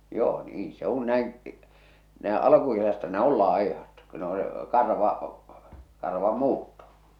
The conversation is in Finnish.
joo niin se kun näin näin alkukesästä ne oli laihat kun ne on se karva karvanmuutto